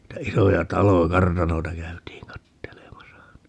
niitä isoja taloja kartanoita käytiin katselemassa